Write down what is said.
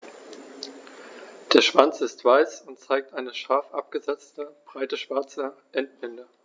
Der Schwanz ist weiß und zeigt eine scharf abgesetzte, breite schwarze Endbinde.